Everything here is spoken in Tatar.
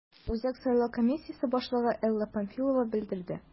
Үзәк сайлау комиссиясе башлыгы Элла Памфилова белдерде: